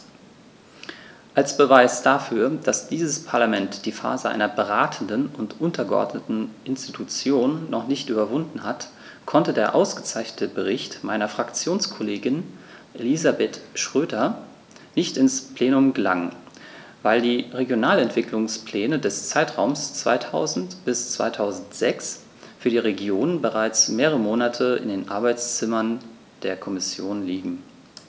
Als Beweis dafür, dass dieses Parlament die Phase einer beratenden und untergeordneten Institution noch nicht überwunden hat, konnte der ausgezeichnete Bericht meiner Fraktionskollegin Elisabeth Schroedter nicht ins Plenum gelangen, weil die Regionalentwicklungspläne des Zeitraums 2000-2006 für die Regionen bereits mehrere Monate in den Arbeitszimmern der Kommission liegen.